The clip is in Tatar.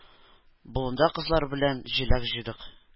Болында кызлар белән җиләк җыйдык.